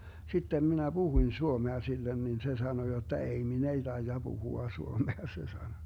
sitten minä puhuin suomea sille niin se sanoi jotta ei minä ei taida puhua suomea se sanoi